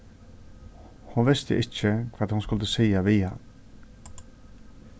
hon visti ikki hvat hon skuldi siga við hann